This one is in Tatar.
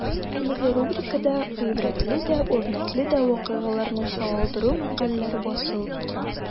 Әлеге рубрикада гыйбрәтле дә, үрнәкле дә вакыйгаларны чагылдыручы мәкаләләр басылып тора.